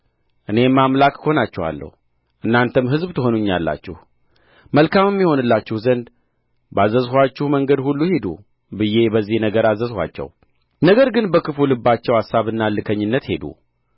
እኔም አምላክ እሆናችኋለሁ እናንተም ሕዝብ ትሆኑኛላችሁ መልካምም ይሆንላችሁ ዘንድ ባዘዝኋችሁ መንገድ ሁሉ ሂዱ ብዬ በዚህ ነገር አዘዝኋቸው ነገር ግን በክፉ ልባቸው አሳብና እልከኝነት ሄዱ